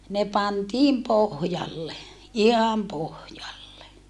ne pantiin pohjalle ihan pohjalle